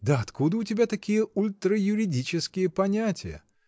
Да откуда у тебя такие ультраюридические понятия?